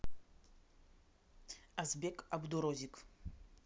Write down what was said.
азбек абдурозик